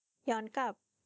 ย้อนกลับ